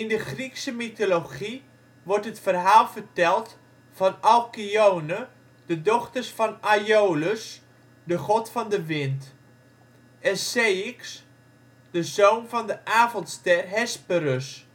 de Griekse mythologie wordt het verhaal verteld van Alkyone, de dochter van Aeolus, de god van de wind, en Ceyx, de zoon van de avondster Hesperus